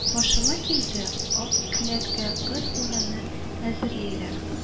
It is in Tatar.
Башыма килде: ак келәткә кыз урыны әзерлиләр